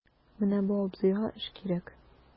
Менә бу абзыйга эш кирәк...